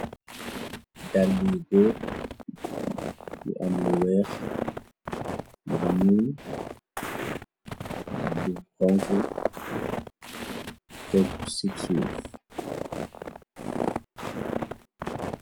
Daale yu goor yu am lu weex, lu ñuul, lu xonxu, tek si suuf.